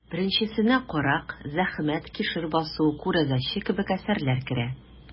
Беренчеләренә «Карак», «Зәхмәт», «Кишер басуы», «Күрәзәче» кебек әсәрләр керә.